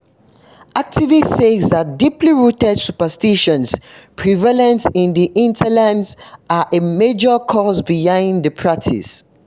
Activists say that deeply rooted superstitions prevalent in the hinterlands are a major cause behind the practice.